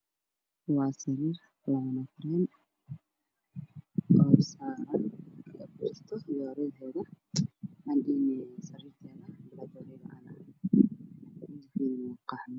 Waa sariir weyn cun afar barac waxa saaran busto iyo dhar kale waxaa ku jiifo wiil yar oo laba jira ah